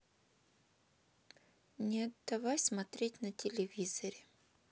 нет давай смотреть на телевизоре